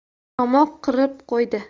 tomoq qirib qo'ydi